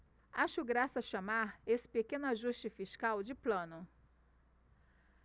acho graça chamar esse pequeno ajuste fiscal de plano